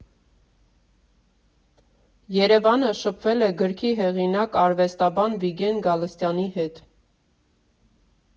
ԵՐԵՎԱՆը շփվել է գրքի հեղինակ, արվեստաբան Վիգեն Գալստյանի հետ։